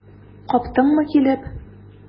Каптыңмы килеп?